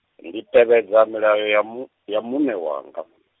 ndi tevhedza milayo mu-, ya muṋe wanga.